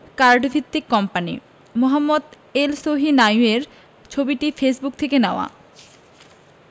কার্ডিফভিত্তিক company Mohammed এলসহিনাউয়ির ছবিটি ফেসবুক থেকে নেওয়া